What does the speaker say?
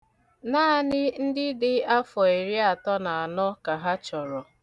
Naanị ndị dị afọ iriatọ na anọ ka ha chọrọ.